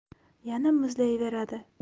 yana muzlayveradi